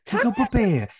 Tanya...Ti'n gwybod be?